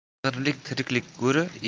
qing'irlik tiriklik go'ri